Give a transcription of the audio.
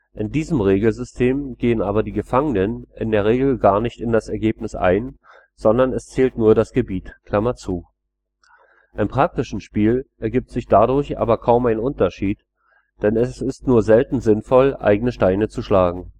in diesen Regelsystemen gehen aber die Gefangenen in der Regel gar nicht in das Ergebnis ein, sondern es zählt nur das Gebiet). Im praktischen Spiel ergibt sich dadurch aber kaum ein Unterschied, denn es ist nur selten sinnvoll, eigene Steine zu schlagen